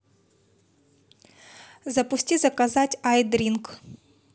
запусти заказать айдринк